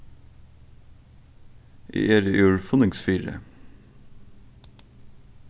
eg eri úr funningsfirði